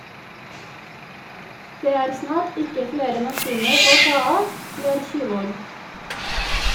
- Det er snart ikke flere nasjoner å ta av , ler Kyvåg.